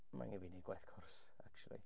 Ma' angen i fi wneud gwaith cwrs actually.